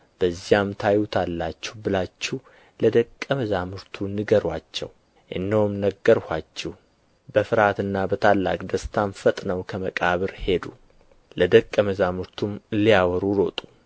በዚያም ታዩታላችሁ ብላችሁ ለደቀ መዛሙርቱ ንገሩአቸው እነሆም ነገርኋችሁ በፍርሃትና በታላቅ ደስታም ፈጥነው ከመቃብር ሄዱ ለደቀ መዛሙርቱም ሊያወሩ ሮጡ